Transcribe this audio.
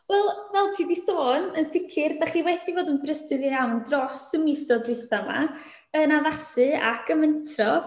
Wel, fel ti 'di sôn, yn sicr dach chi wedi bod yn brysur iawn dros y misoedd dwytha 'ma, yn addasu ac yn mentro.